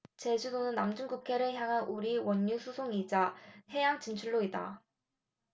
제주도는 남중국해를 향한 우리 원유수송로이자 해양 진출로이다